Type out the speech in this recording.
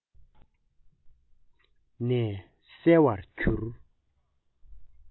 ནས གསལ བར གྱུར